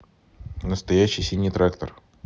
настоящий синий трактор